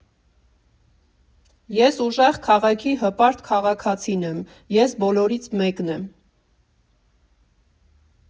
Ես ուժեղ քաղաքի հպարտ քաղաքացին եմ, ես բոլորից մեկն եմ։